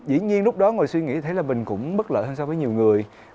dĩ nhiên lúc đó ngồi suy nghĩ thấy là mình cũng bất lợi hơn so với nhiều người